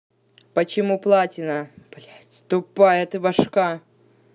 почему платина блядь тупая ты башка